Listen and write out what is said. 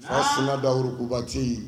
Han? A sunada urukubatii